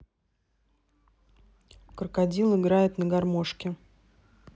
крокодил играет на гармошке